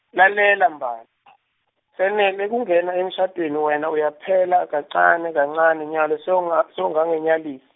Lalela Mbali , senele kungena emshadweni wena uyaphela kancane kancane nyalo sewunga-, sewungangenyalis-.